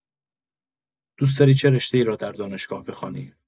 دوست‌داری چه رشته‌ای را در دانشگاه بخوانی؟